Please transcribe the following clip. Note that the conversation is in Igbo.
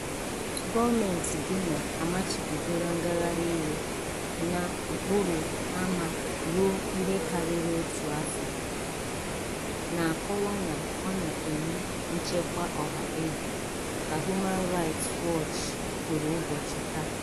Gọọmentị Guinea amachibidoola ngagharị iwe n'okporo ámá ruo ihe karịrị otu afọ, na-akọwa na ọ na-eyi nchekwa ọha egwu, ka Human Rights Watch kwuru ụbọchị taa.